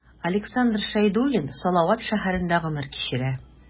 Александр Шәйдуллин Салават шәһәрендә гомер кичерә.